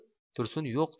tursun yo'q